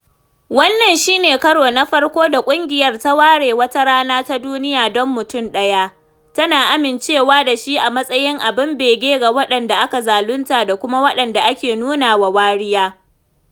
Wannan shi ne karo na farko da ƙungiyar ta ware wata rana ta duniya don mutum ɗaya, tana amincewa da shi a matsayin abin bege ga waɗanda aka zalunta da kuma waɗanda ake nuna wa wariya.